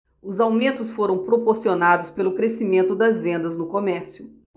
os aumentos foram proporcionados pelo crescimento das vendas no comércio